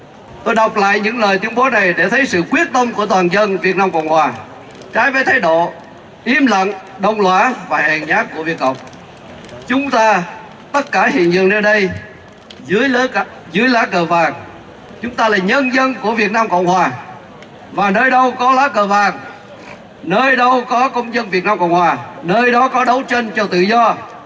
tôi đọc lại những lời tuyên bố này để thấy sự quyết tâm của toàn dân việt nam cộng hòa trái với thái độ im lặng đồng lõa và hèn nhát của việt cộng chúng ra tất cả hiện dân nơi đây dưới lớp gạch dưới lá cờ vàng chúng ta là nhân dân của việt nam cộng hòa và nơi đâu có lá cờ vàng nơi đâu có công dân việt nam cộng hòa nơi đó có đấu tranh cho tự do